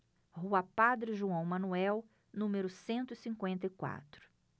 rua padre joão manuel número cento e cinquenta e quatro